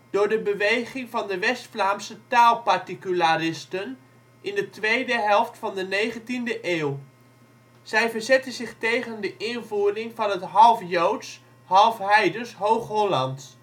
door de beweging van de West-Vlaamse taalparticularisten in de tweede helft van de negentiende eeuw. Zij verzetten zich tegen de invoering van het half joodsch, half heidensch Hoog-Hollandsch